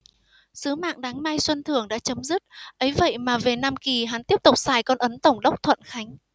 sứ mạng đánh mai xuân thưởng đã chấm dứt ấy vậy mà về nam kỳ hắn tiếp tục xài con ấn tổng đốc thuận khánh